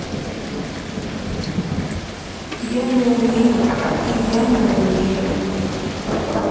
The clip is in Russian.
я не умею и я не умею